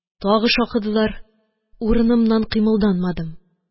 Тагы шакыдылар – урынымнан кыймылданмадым...